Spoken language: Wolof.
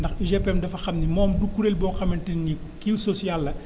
ndax UGPM dafa xam ni moom du kuréel boo xamante ni kii wu social la